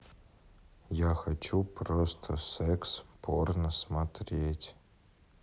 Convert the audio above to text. я хочу просто секс порно смотреть